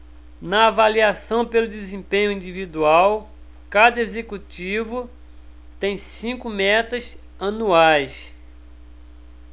na avaliação pelo desempenho individual cada executivo tem cinco metas anuais